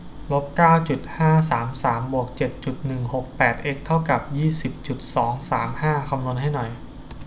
ลบเก้าจุดห้าสามสามบวกเจ็ดจุดหนึ่งหกแปดเอ็กซ์เท่ากับยี่สิบจุดสองสามห้าคำนวณให้หน่อย